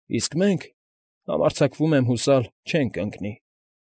Իսկ մենք, համարձակվում եմ հուսալ, չենք ընկնի։